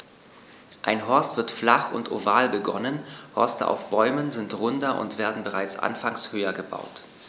Ein Horst wird flach und oval begonnen, Horste auf Bäumen sind runder und werden bereits anfangs höher gebaut.